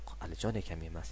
alijon akam emas